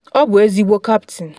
Ọ bụ ezigbo kaptịn.